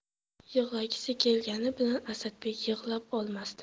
yig'lagisi kelgani bilan asadbek yig'lay olmasdi